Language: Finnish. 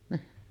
niin